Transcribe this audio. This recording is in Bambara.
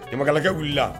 Ɲamakalakɛ wulila